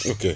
ok